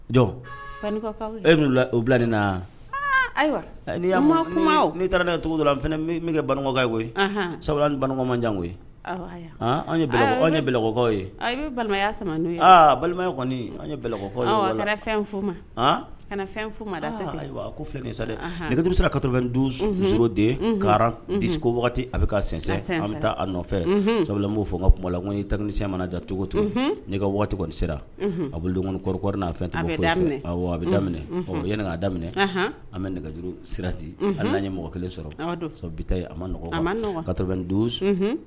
Donc bila na ayiwa nii yama kuma n'i taara da cogo don la an min kɛ balimakɔkaw koyi sabula balimamajan koyi an yeɔgɔ ye balimaya balima ankɔ ye fɛn ma fɛn a ko filɛ sa dɛ nɛgɛ se sera ka dun s de ka tɛseko waati wagati a bɛ ka sin an bɛ taa nɔfɛ sabula b'o fɔ ka kumala ta nikisɛ mana da cogo to ne ka waati kɔni sera a bolo don n' a fɛn a bɛ daminɛ ɔ ye daminɛ an bɛ nɛgɛjuru sirati ani n' ye mɔgɔ kelen sɔrɔ bi a maɔgɔn donso